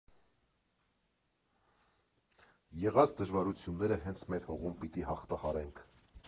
Եղած դժվարությունները հենց մեր հողում պիտի հաղթահարենք։